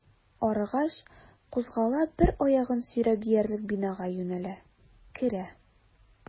Арыгач, кузгала, бер аягын сөйрәп диярлек бинага юнәлә, керә.